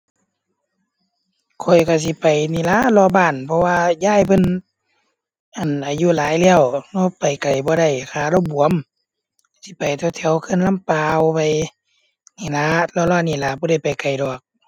ข้อยก็สิไปนี่ล่ะ เลาะบ้าน เพราะว่ายายเพิ่น อั่น อายุหลายแล้วเลาไปไกลบ่ได้ ขาเลาบวม สิไปแถวแถวเขื่อนลำปาว ไปนี่ล่ะ เลาะเลาะนี่ล่ะ บ่ได้ไปไกลดอก